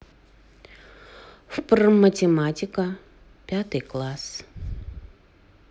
впр математика пятый класс